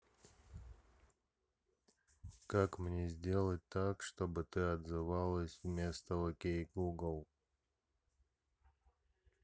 как мне сделать так чтобы ты отзывалась вместо окей google